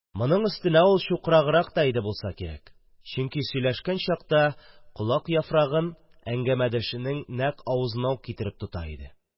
Моның өстенә, ул чукраграк та иде булса кирәк, чөнки сөйләшкән чакта колак яфрагын әңгәмәдәшенең нәкъ авызына ук китереп тота иде.